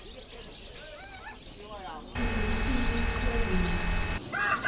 телевидение украины